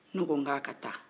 ne ko n k'a ka taa